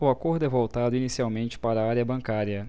o acordo é voltado inicialmente para a área bancária